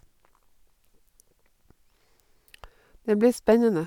Det blir spennende.